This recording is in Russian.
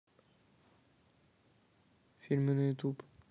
фильмы на ютуб